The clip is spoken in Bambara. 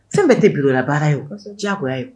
Fɛn bɛɛ tɛ bilalabaa ye diyagoya ye